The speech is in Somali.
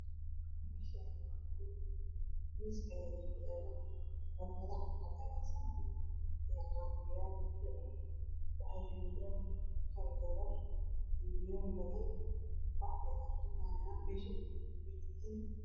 Meeshaan waa hool miis ayaa yaalo warqado cad cad ayaa saaran iyo caafiyaal biyo ah waxaa jooga hal gabar iyo wiilal badan waxbay aqrinayaan mesha ayay ku tuban yihin